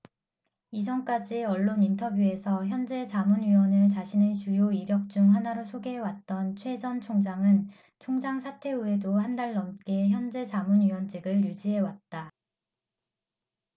이전까지 언론 인터뷰에서 헌재 자문위원을 자신의 주요 이력 중 하나로 소개해왔던 최 전 총장은 총장 사퇴 후에도 한달 넘게 헌재 자문위원직을 유지해왔다